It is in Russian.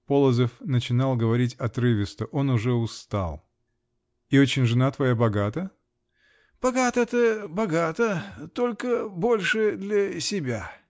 Полозов начинал говорить отрывисто; он уже устал. -- И очень жена твоя богата? -- Богата-то богата. Только больше для себя.